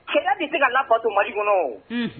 Kɛlɛ bɛ se ka lafifato ma di kɔnɔ